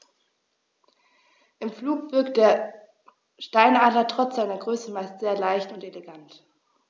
Im Flug wirkt der Steinadler trotz seiner Größe meist sehr leicht und elegant.